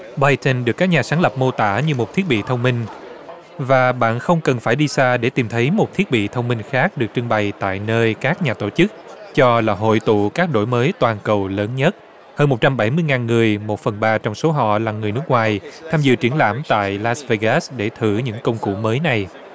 bai tần được các nhà sáng lập mô tả như một thiết bị thông minh và bạn không cần phải đi xa để tìm thấy một thiết bị thông minh khác được trưng bày tại nơi các nhà tổ chức cho là hội tụ các đổi mới toàn cầu lớn nhất hơn một trăm bảy mươi ngàn người một phần ba trong số họ là người nước ngoài tham dự triển lãm tại lát vê gát để thử những công cụ mới này